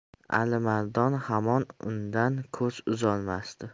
alimardon hamon undan ko'z uzolmasdi